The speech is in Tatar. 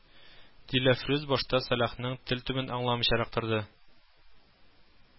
Диләфрүз башта Сәлахның тел төбен аңламыйчарак торды